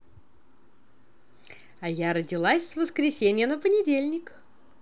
а я родился с воскресенья на понедельник